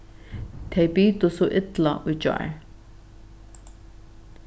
tey bitu so illa í gjár